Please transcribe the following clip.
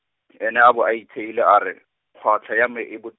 ene a bo a itheile a re, kgwatlha ya me e bot-.